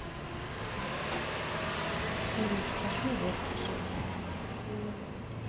салют хочу в отпуск